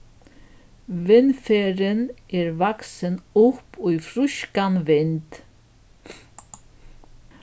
vindferðin er vaksin upp í frískan vind